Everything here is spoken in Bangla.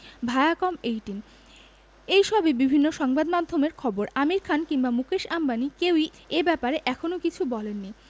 ভায়াকম এইটিন এই সবই বিভিন্ন সংবাদমাধ্যমের খবর আমির খান কিংবা মুকেশ আম্বানি কেউই এ ব্যাপারে এখনো কিছু বলেননি